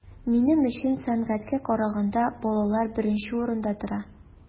Минем өчен сәнгатькә караганда балалар беренче урында тора.